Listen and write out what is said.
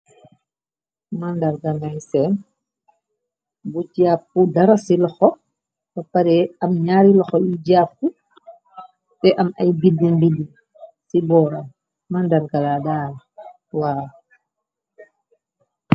Màndargala lay seen bu jàppu dara ci loxo ba pareh am ñaari loxo yu jappu te am ay biddi mbiddi ci booram mëndargala daal waa.